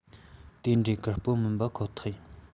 དེ འདྲའི དཀར བོ མིན པ ཁོ ཐག ཡིན